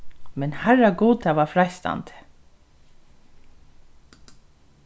men harragud tað var freistandi